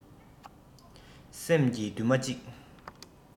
སེམས ཀྱི མདུན མ གཅིག